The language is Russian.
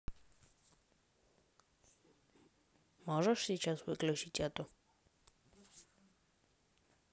можешь сейчас выключить эту